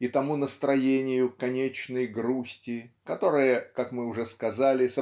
и тому настроению конечной грусти которое как мы уже сказали